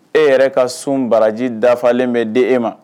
E yɛrɛ ka sun baraji dafalen bɛ di e ma